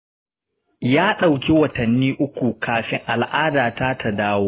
ya ɗauki watanni uku kafin al'adata ta dawo.